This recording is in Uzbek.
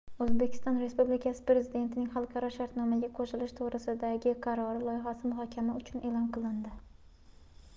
o'zbekiston respublikasi prezidentining xalqaro shartnomaga qo'shilish to'g'risida gi qarori loyihasi muhokama uchun e'lon qilindi